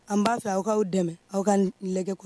An b'a fɛ aw'aw dɛmɛ aw ka lajɛ kɔnɔ